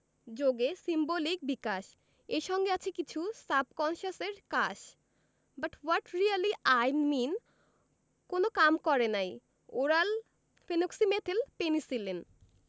যোগে সিম্বলিক বিকাশ এর সঙ্গে আছে কিছু সাবকন্সাসের কাশ but what really I mean কোন কাম করে নাই ওরাল ফেনোক্সিমেথিল পেনিসিলিন